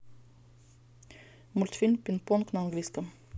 мультфильм пинг понг на английском